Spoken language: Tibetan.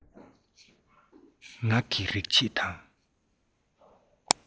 ངག གི རིག བྱེད དང